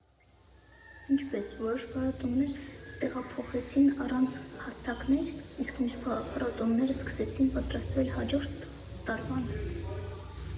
Ինչպե՞ս որոշ փառատոներ տեղափոխվեցին առցանց հարթակներ, իսկ մյուս փառատոները սկսեցին պատրաստվել հաջորդ տարվան։